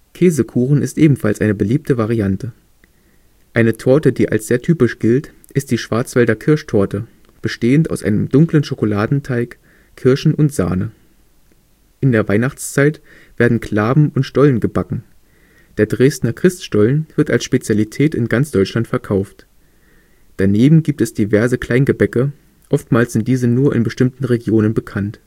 Käsekuchen ist ebenfalls eine beliebte Variante. Eine Torte, die als sehr typisch gilt, ist die Schwarzwälder Kirschtorte, bestehend aus einem dunklen Schokoladenteig, Kirschen und Sahne. In der Weihnachtszeit werden Klaben und Stollen gebacken. Der Dresdner Christstollen wird als Spezialität in ganz Deutschland verkauft. Daneben gibt es diverse Kleingebäcke, oftmals sind diese nur in bestimmten Regionen bekannt